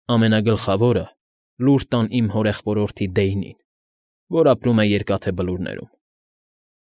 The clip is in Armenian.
Ամենագլխավորը՝ լուր տան իմ հորեղբորորդի Դեյնին, որ ապրում է Երկաթե Բլուրներում։